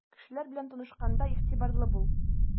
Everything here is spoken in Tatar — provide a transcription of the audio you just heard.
Кешеләр белән танышканда игътибарлы бул.